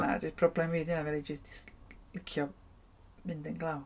Na, jyst problem fi 'di hynna, bydd rhaid fi jyst licio mynd yn glaw.